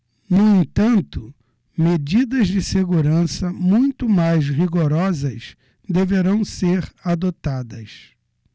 no entanto medidas de segurança muito mais rigorosas deverão ser adotadas